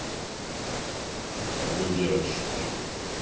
audi a четыре